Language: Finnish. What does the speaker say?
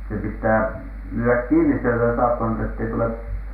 se pitää lyödä kiinni sieltä saappanilta että ei tule